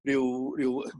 ryw ryw